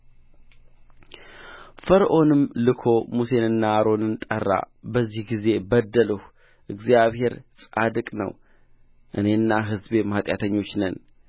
ፈርዖንም ልኮ ሙሴንና አሮንን ጠራ በዚህ ጊዜ በደልሁ እግዚአብሔር ጻድቅ ነው እኔና ሕዝቤም ኃጢያተኞች ነን